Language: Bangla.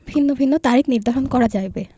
ভিন্ন ভিন্ন তারিখ নির্ধারণ করা যাইবে